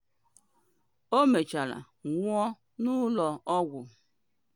Ọ mechara nwụọ n’ụlọ ọgwụ.